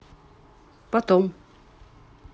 потом